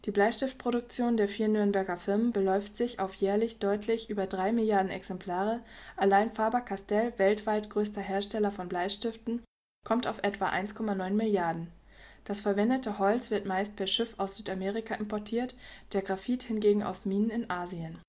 Bleistiftproduktion der vier Nürnberger Firmen beläuft sich auf jährlich deutlich über drei Milliarden Exemplare, allein Faber-Castell, weltweit größter Hersteller von Bleistiften, kommt auf etwa 1,9 Milliarden. Das verwendete Holz wird meist per Schiff aus Südamerika importiert, der Graphit hingegen aus Minen in Asien